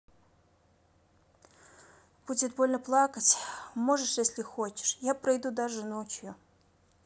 будет больно плакать можно если хочешь я про еду даже ночью